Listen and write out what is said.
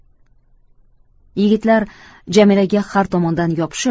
yigitlar jamilaga har tomondan yopishib